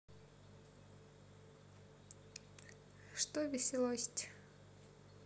что веселость